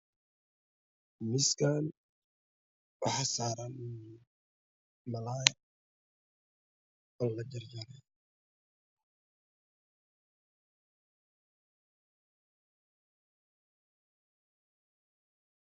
Miiskaan waxaa saaran malaay oo la jarjaray